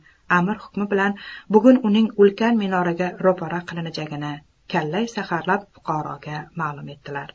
amir hukmi bilan bugun uning ulkan minoraga ro'para qilinajagini kallai saharlab fuqaroga malum etdilar